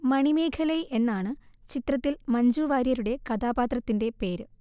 മണിമേഖലൈ എന്നാണ് ചിത്രത്തിൽ മ്ഞജുവാര്യരുടെ കഥാപാത്രത്തിന്റെ പേര്